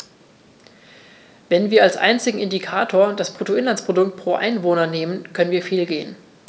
Wenn wir als einzigen Indikator das Bruttoinlandsprodukt pro Einwohner nehmen, können wir fehlgehen.